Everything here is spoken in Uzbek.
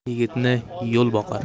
yigitni yo'l boqar